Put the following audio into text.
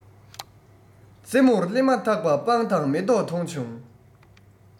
རྩེ མོར སླེབས མ ཐག པ སྤང དང མེ ཏོག མཐོང བྱུང